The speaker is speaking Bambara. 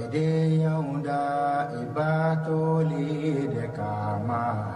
Cɛden da i batɔ le de ka